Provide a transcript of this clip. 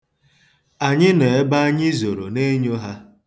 Anyị nọ ebe anyị zoro na-enyo ha.